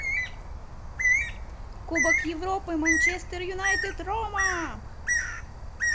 кубок европы манчестер юнайтед рома